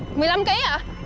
mười lăm kí ạ